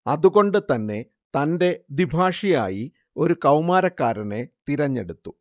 അതുകൊണ്ട് തന്നെ തന്റെ ദ്വിഭാഷിയായി ഒരു കൗമാരക്കാരനെ തിരഞ്ഞെടുത്തു